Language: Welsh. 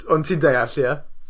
Ond ti'n deall ie?